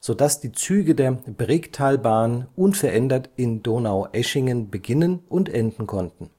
so dass die Züge der Bregtalbahn unverändert in Donaueschingen beginnen und enden konnten